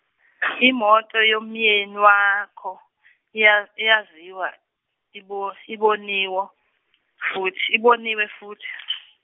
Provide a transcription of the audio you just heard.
Imoto yomyeni wakho, iya- iyaziwa ibo- iboniwo-, futh- iboniwe futhi.